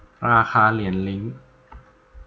ราคาเหรียญลิ้ง